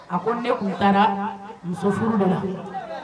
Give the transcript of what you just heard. A ko ne u taara musof furu dɔ la